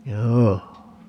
joo